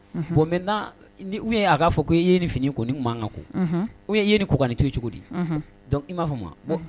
Bon mɛ u a k'a fɔ ko e ye ni fini ko ni makanka ko u ye ye ni kokan cogo cogo di i m'a fɔ ma